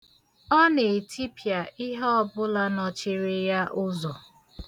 Ọ na-etipịa ihe ọbụla nọchiri ya ụzọ.